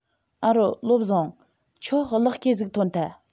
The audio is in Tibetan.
ཨ རོ བློ བཟང ཁྱོའ གློག སྐད ཟིག ཐོན ཐལ